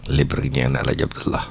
lépp rek ñeel na El Hadj Abdalah